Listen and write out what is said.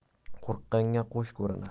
qo'rqqanga qo'sh ko'rinar